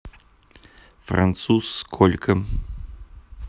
француз сколько